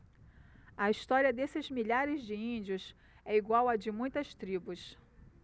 a história desses milhares de índios é igual à de muitas tribos